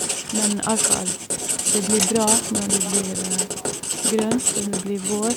Men, iallfall, det blir bra når det blir grønt, og det blir vår.